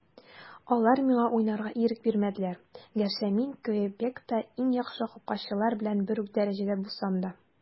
Алар миңа уйнарга ирек бирмәделәр, гәрчә мин Квебекта иң яхшы капкачылар белән бер үк дәрәҗәдә булсам да.